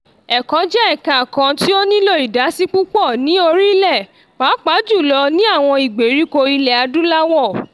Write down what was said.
Ẹ̀kọ́ jẹ́ ẹ̀ka kan tí ó nílò ìdásí púpọ̀ ní orílẹ̀, pàápàá jùlọ ní àwọn ìgbèríko ilẹ̀ Adúláwọ̀.